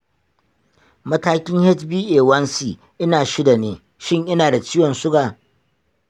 matakin hba1c ina shida ne, shin ina da ciwon suga?